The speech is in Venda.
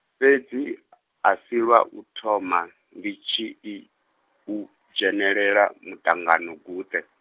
fhedzi, a si lwa u thoma, ndi tshi i, udzhenelela muṱanganoguṱe.